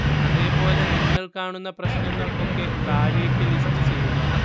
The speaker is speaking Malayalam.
അതേ പോലെ നിങ്ങൾ കാണുന്ന പ്രശ്നങ്ങൾ ഒക്കെ താഴേക്ക് ലിസ്റ്റ് ചെയ്യുക